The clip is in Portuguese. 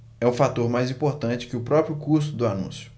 é um fator mais importante que o próprio custo do anúncio